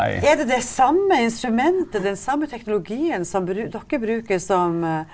er det det samme instrumentet, den samme teknologien som dere bruker, som?